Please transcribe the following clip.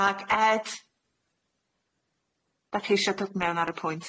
Ag Ed? Dach chi isio dod mewn ar y pwynt?